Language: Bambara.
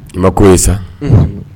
I ma ko ye sa unhun